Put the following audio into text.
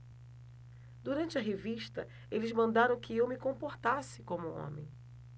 durante a revista eles mandaram que eu me comportasse como homem